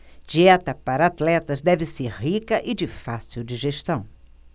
dieta para atletas deve ser rica e de fácil digestão